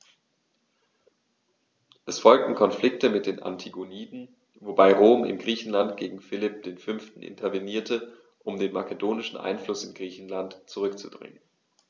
Es folgten Konflikte mit den Antigoniden, wobei Rom in Griechenland gegen Philipp V. intervenierte, um den makedonischen Einfluss in Griechenland zurückzudrängen.